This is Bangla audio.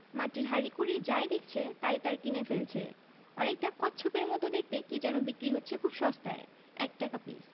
মাটির হাঁড়িকুরি যাই দেখছে তাই তারা কিনে ফেলছে অনেকটা কচ্ছপের মত দেখতে কি যেন বিক্রি হচ্ছে খুব সস্তায় এক টাকা পিস